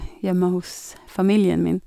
Hjemme hos familien min.